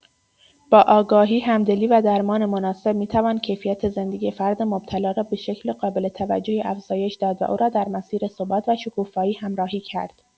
با آگاهی، همدلی و درمان مناسب می‌توان کیفیت زندگی فرد مبتلا را به شکل قابل‌توجهی افزایش داد و او را در مسیر ثبات و شکوفایی همراهی کرد.